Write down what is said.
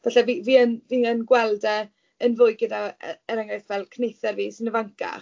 Falle fi fi yn fi yn gweld e yn fwy gyda e- er enghraifft, fel cyfnither fi sy'n ifancach.